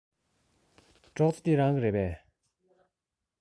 སྒྲོག རྩེ འདི རང གི རེད པས